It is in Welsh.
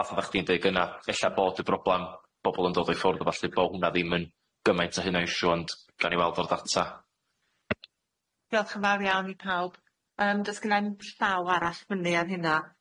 fatha o ti'n deud gynne ella bod y broblem pobl yn dod i ffwrdd a ballu bod hwnna ddim yn gymaint o issue, gawn ni weld o'r data. Diolch yn fawr iawn i pawb, dos gynna i ddim llaw arall i fyny ar hunna.